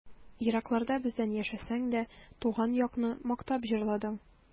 Еракларда бездән яшәсәң дә, Туган якны мактап җырладың.